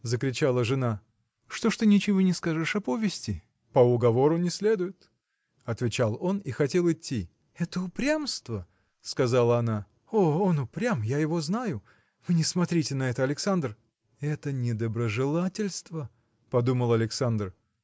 – закричала жена, – что ж ты ничего не скажешь о повести? – По уговору не следует! – отвечал он и хотел идти. – Это упрямство! – сказала она. – О, он упрям – я его знаю! Вы не смотрите на это, Александр. Это недоброжелательство! – подумал Александр.